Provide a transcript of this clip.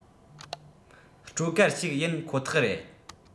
སྤྲོ གར ཞིག ཡིན ཁོ ཐག རེད